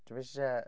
Dwi'm isie...